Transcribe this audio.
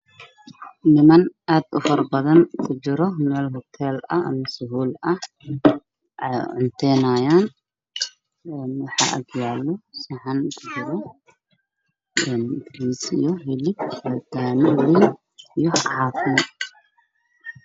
Niman aad u fara badan oo ku jiro meel hotel oo wada cutaynyo